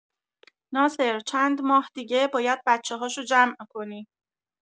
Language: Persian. ناصر، چند ماه دیگه باید بچه‌هاشو جمع کنی.